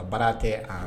A baara tɛ